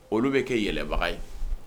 Olu bɛ kɛ yɛlɛbaga ye